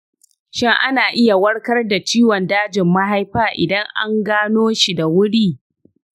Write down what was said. shin ana iya warkar da ciwon dajin mahaifa idan an gano shi da wuri?